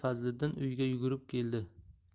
fazliddin uyiga yugurib keldi